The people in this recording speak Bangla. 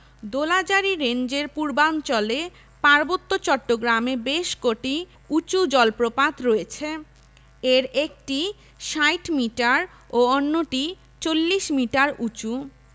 দোলাজারী রেঞ্জের পূর্বাঞ্চলে পার্বত্য চট্টগ্রামে বেশ কটি উঁচু জলপ্রপাত রয়েছে এর একটি ৬০ মিটার ও অন্যটি ৪০ মিটার উঁচু